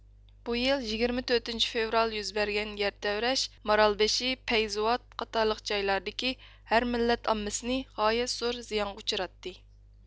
بۇ يىل يىگىرمە تۆتىنچى فېۋرال يۈز بەرگەن يەر تەۋرەش مارالبېشى پەيزاۋات قاتارلىق جايلاردىكى ھەر مىللەت ئاممىسىنى غايەت زور زىيانغا ئۇچراتتى